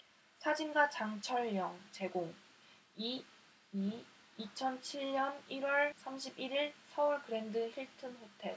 사진가 장철영 제공 이 이 이천 칠 년 일 월 삼십 일 일 서울 그랜드 힐튼 호텔